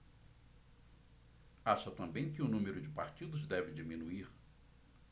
acha também que o número de partidos deve diminuir